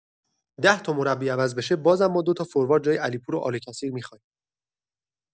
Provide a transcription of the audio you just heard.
ده‌تا مربی عوض بشه، بازم ما دو تا فوروارد جای علیپور و آل کثیر می‌خاییم.